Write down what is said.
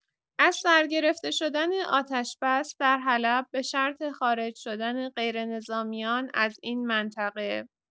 از سرگرفته شدن آتش‌بس در حلب به شرط خارج شدن غیرنظامیان از این منطقه